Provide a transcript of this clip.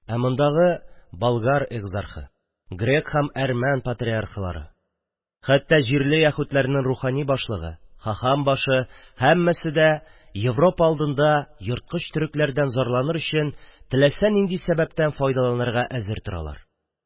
Мондагы болгар экзархы, грек һәм әрмән патриархлары, хәттә җирле яһүдләрнең рухани башлыгы – хахам башы – һәммәсе дә европа алдында «ерткыч төрекләрдән» зарланыр өчен теләсә нинди сәбәптән файдаланырга әзер торалар.